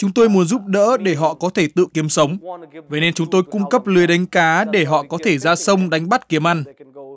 chúng tôi muốn giúp đỡ để họ có thể tự kiếm sống vậy nên chúng tôi cung cấp lưới đánh cá để họ có thể ra sông đánh bắt kiếm ăn